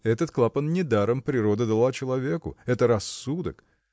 этот клапан недаром природа дала человеку – это рассудок